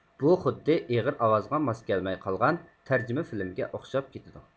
بۇ خۇددى ئېغىز ئاۋازغا ماس كەلمەي قالغان تەرجىمە فىلىمگە ئوخشاپ كېتىدۇ